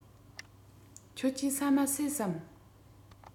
ཁྱེད ཀྱིས ཟ མ ཟོས སམ